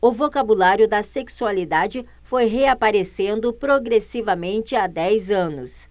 o vocabulário da sexualidade foi reaparecendo progressivamente há dez anos